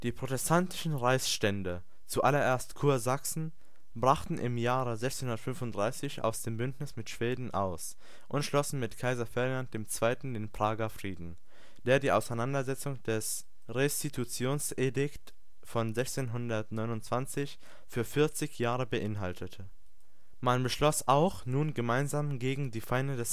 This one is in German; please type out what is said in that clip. protestantischen Reichsstände, zuallererst Kursachsen, brachen im Jahre 1635 aus dem Bündnis mit Schweden aus und schlossen mit Kaiser Ferdinand II. den Prager Frieden, der die Aussetzung des Restitutionsedikt von 1629 für vierzig Jahre beinhaltete. Man beschloss auch, nun gemeinsam gegen die Feinde